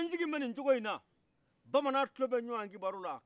an sigimɛ ni cogoyina bamanan kulobe ɲongon kibarula